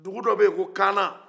dugu dɔ bɛ yen ko kaana